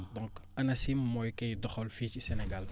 donc ANACIM mooy kiy doxal fii si Sénégal